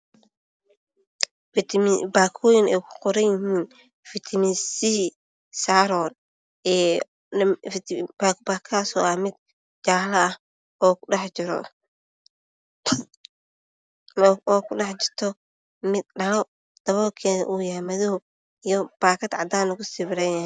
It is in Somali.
Waa baakooyin ay kuqoran yihiin fitimiin c, iyroon, waa baakad jaale ah oo kudhex jirto dhalo daboolkeedu madow yahay.